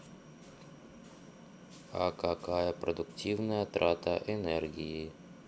а какая продуктивная трата энергии